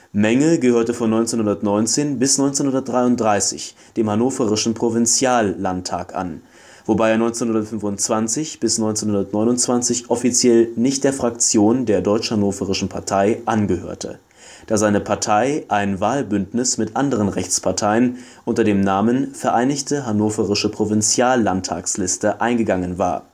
Menge gehörte von 1919 bis 1933 dem hannoverschen Provinziallandtag an, wobei er 1925 bis 1929 offiziell nicht der Fraktion der Deutsch-Hannoverschen Partei angehörte, da seine Partei ein Wahlbündnis mit anderen Rechtsparteien unter dem Namen " Vereinigte Hannoversche Provinziallandtagsliste " eingegangen war